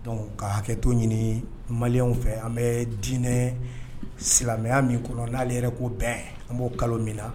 Don ka hakɛto ɲini maliw fɛ an bɛ diinɛ silamɛya min kɔnɔ n'ale yɛrɛ ko bɛn an b'o kalo min na